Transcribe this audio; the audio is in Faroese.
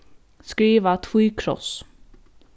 skriva tvíkross